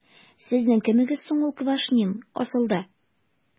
Сезнең кемегез соң ул Квашнин, асылда? ..